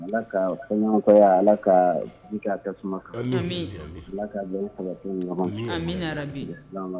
Ala ka fɔɲɔgɔnya Ala ka ji k'a tasuma kan, amin, Ala bɛn sabati u ni ɲɔgɔn cɛ, amina yarabi